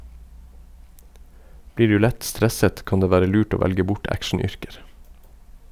Blir du lett stresset, kan det være lurt å velge bort actionyrker.